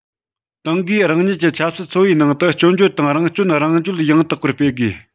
ཏང གིས རང ཉིད ཀྱི ཆབ སྲིད འཚོ བའི ནང དུ སྐྱོན བརྗོད དང རང སྐྱོན རང བརྗོད ཡང དག པར སྤེལ དགོས